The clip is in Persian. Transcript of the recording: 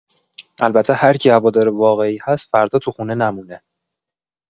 البته هرکی هوادار واقعی هست فردا تو خونه نمونه